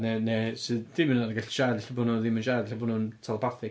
neu neu sydd ddim hyd yn oed yn gallu siarad, ella bod nhw ddim yn siarad, efallai bod nhw'n telepathig.